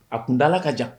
A kuntaala ka jan.